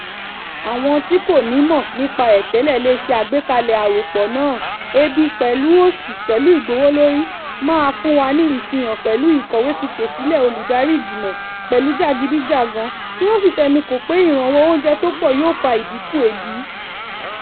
Àwọn tí kò nímọ̀ nípa ẹ̀ tẹ́lẹ̀ lè ṣe àgbékalẹ̀ àròpò náà:ebi pẹ̀lú òṣì pẹ̀lú ìgbówòlórí máa fún wa ní Ìfihàn pẹ̀lú Ìkọ̀wé fipòsílẹ̀ olùdarí Ìgbìmọ̀ pẹ̀lú Jàgídíjàgan, kí wọ́n sì fẹnukò pé ìrànwọ́ oúnjẹ́ tó pọ̀ yòó fa ìdínkù ebi.